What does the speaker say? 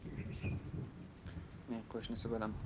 men qo'shnisi bo'laman